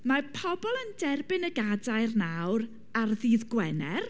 Mae pobl yn derbyn y gadair nawr ar ddydd Gwener.